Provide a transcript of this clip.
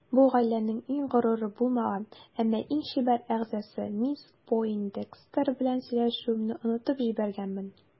Бу гаиләнең иң горуры булмаган, әмма иң чибәр әгъзасы мисс Пойндекстер белән сөйләшүемне онытып җибәргәнмен.